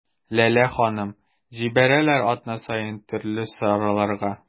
Ләлә ханым: җибәрәләр атна-ай саен төрле чараларга.